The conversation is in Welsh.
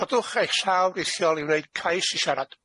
Codwch eich llaw rhithiol i wneud cais i siarad.